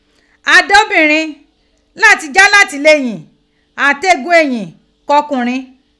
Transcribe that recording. A da obinrin lati je alatileyin ati egun eyin ko okunrin